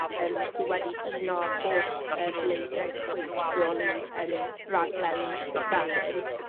yym sy wedi uno holl yy bleidiau chwith tu ôl i yym raglen gyffredin